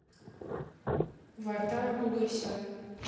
вартан гугасян